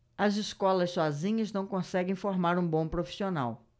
as escolas sozinhas não conseguem formar um bom profissional